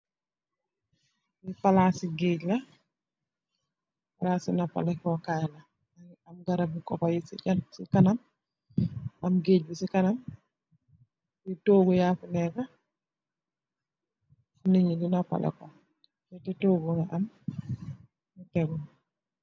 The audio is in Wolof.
pala ci géej la pala ci nappale ko kaay la angi am garab bi koxo yi c ci kanam am géej bi ci kanam yi toogu yaafe neega fu niñu di nappale ko fete toogu na am ni tegu